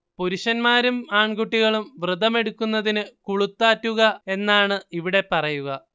പുരുഷന്മാരും ആൺകുട്ടികളും വ്രതമെടുക്കുന്നതിന് കുളുത്താറ്റുക എന്നാണ് ഇവിടെ പറയുക